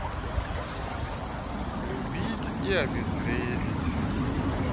любить и обезвредить